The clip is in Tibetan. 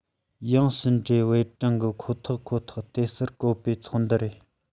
དབྱང ཕྱི འབྲེལ པུའུ ཀྲང གིས ཁོ ཐག ཁོ ཐག བལྟས གསར འགོད པའི ཚོགས འདུའི རེད